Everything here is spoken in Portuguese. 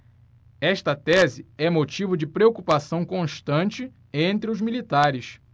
esta tese é motivo de preocupação constante entre os militares